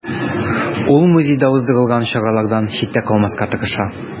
Ул музейда уздырылган чаралардан читтә калмаска тырыша.